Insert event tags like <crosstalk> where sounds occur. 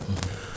<hesitation> <hesitation>